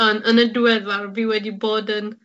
on' yn y diweddar fi wedi bod yn